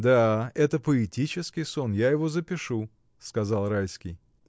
— Да это поэтический сон — я его запишу! — сказал Райский.